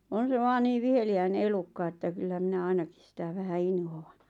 on se vain niin viheliäinen elukka että kyllä minä ainakin sitä vähän inhoan